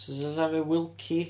Sut ti'n sillafu Wilkie?